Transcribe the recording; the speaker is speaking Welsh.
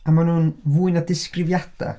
A maen nhw'n fwy na disgrifiadau.